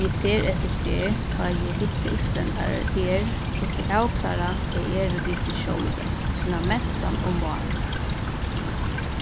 meg ferð eftir ferð tá eg hitti íslendarar er hvussu avklárað tey eru við seg sjálv sína mentan og mál